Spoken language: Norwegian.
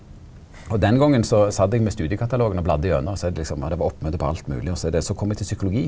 og den gongen så satt eg med studiekatalogen og bladde igjennom også er det liksom nei det var oppmøte på alt mogleg også er det så kom eg til psykologi.